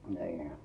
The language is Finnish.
niin